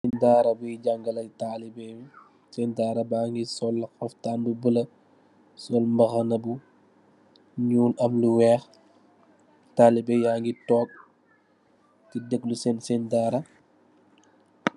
Daara buye jagale talibem ye sengdara bage sol mbaxna bu nuul am lu weex talibeh yage de deglo sen sengdara.